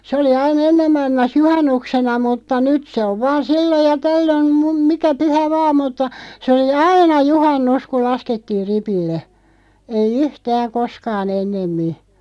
se oli aina ennen maailmassa juhannuksena mutta nyt se on vain silloin ja tällöin - mikä pyhä vain mutta se oli aina juhannus kun laskettiin ripille ei yhtään koskaan ennemmin